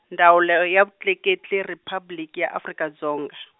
Ndzawulo ya Vutleketli Riphabliki ya Afrika Dzonga.